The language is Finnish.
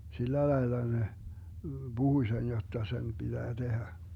sillä lailla ne puhui sen jotta sen pitää tehdä